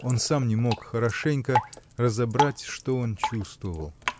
он сам не мог хорошенько разобрать, что он чувствовал.